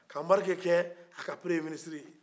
ka anbarike kɛ a ka masakankɔrɔsigi ye